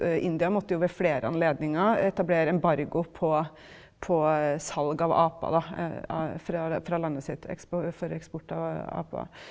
India måtte jo ved flere anledninger etablere embargo på på salg av aper da fra fra landet sitt for eksport av aper.